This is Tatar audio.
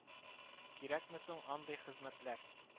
Кирәкме соң андый хезмәтләр